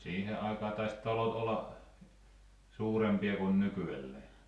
siihen aikaan taisi talot olla suurempia kuin nykyään